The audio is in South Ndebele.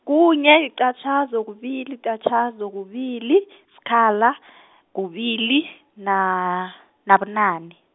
kunye, liqatjhazo, kubili, liqatjhazo, kubili, sikhala, kubili, na- nabunane.